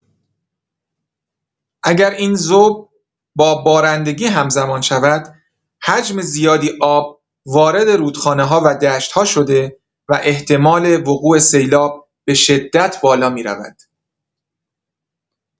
اگر این ذوب با بارندگی هم‌زمان شود، حجم زیادی آب وارد رودخانه‌ها و دشت‌ها شده و احتمال وقوع سیلاب به‌شدت بالا می‌رود.